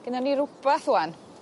Gennon ni rwbath ŵan